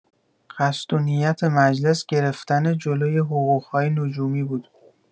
قصد و نیت مجلس گرفتن جلوی حقوق‌های نجومی بود.